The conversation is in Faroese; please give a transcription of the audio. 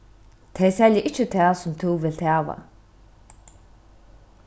tey selja ikki tað sum tú vilt hava